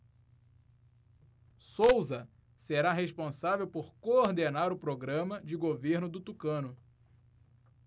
souza será responsável por coordenar o programa de governo do tucano